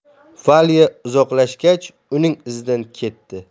valya uzoqlashgach uning izidan ketdi